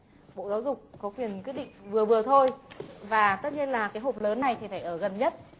bộ giáo dục có quyền quyết định vừa vừa thôi và tất nhiên là cái hộp lớn này thì phải ở gần nhất